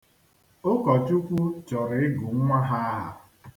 Ọ bụ nna m gụrụ m Obiọha.